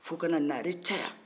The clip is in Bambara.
fo ka na naare caya